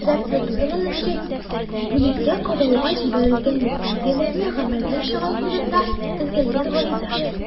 Процедуралар нәтиҗәсе: бүлеккә карауга җибәрелгән лицензияләрне гамәлдән чыгару турында теркәлгән гариза.